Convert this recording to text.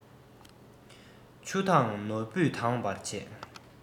ཆུ མདངས ནོར བུས དྭངས པར བྱེད